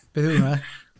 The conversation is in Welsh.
Beth yw hwnna?